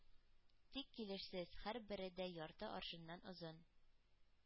Тик килешсез — һәрбере дә ярты аршыннан озын.